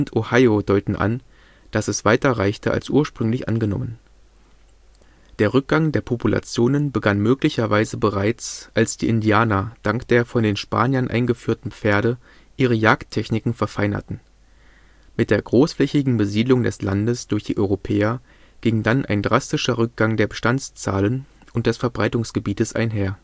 Ohio deuten an, dass es weiter reichte als ursprünglich angenommen. Der Rückgang der Populationen begann möglicherweise bereits, als die Indianer dank der von den Spaniern eingeführten Pferde ihre Jagdtechniken verfeinerten. Mit der großflächigen Besiedlung des Landes durch die Europäer ging dann ein drastischer Rückgang der Bestandszahlen und des Verbreitungsgebietes einher